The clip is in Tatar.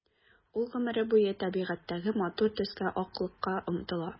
Ул гомере буе табигатьтәге матур төскә— аклыкка омтыла.